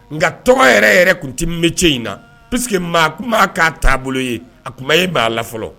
Nka tɔgɔ yɛrɛ yɛrɛ tun tɛ bɛ cɛ in na pseke que maa kuma ma k'a taabolo ye a tuma ye maa la fɔlɔ